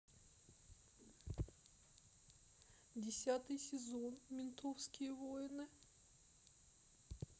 десятый сезон ментовские войны